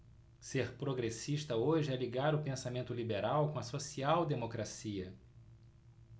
ser progressista hoje é ligar o pensamento liberal com a social democracia